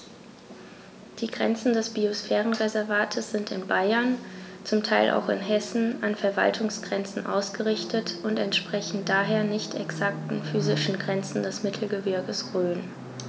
Die Grenzen des Biosphärenreservates sind in Bayern, zum Teil auch in Hessen, an Verwaltungsgrenzen ausgerichtet und entsprechen daher nicht exakten physischen Grenzen des Mittelgebirges Rhön.